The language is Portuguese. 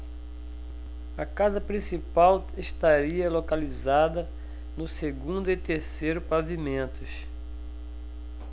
a casa principal estaria localizada no segundo e terceiro pavimentos